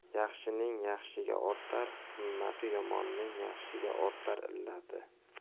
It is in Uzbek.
yaxshining yaxshiga ortar himmati yomonning yaxshiga ortar illati